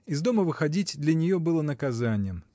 Из дома выходить для нее было наказанием